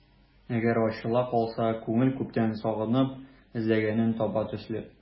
Әгәр ачыла калса, күңел күптән сагынып эзләгәнен табар төсле...